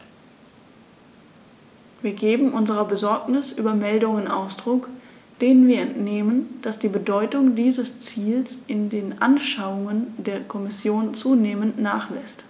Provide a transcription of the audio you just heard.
Wir geben unserer Besorgnis über Meldungen Ausdruck, denen wir entnehmen, dass die Bedeutung dieses Ziels in den Anschauungen der Kommission zunehmend nachlässt.